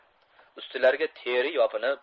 ustilariga teri yopinib